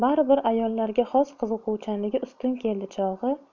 bari bir ayollarga xos qiziquvchanligi ustun keldi chog'i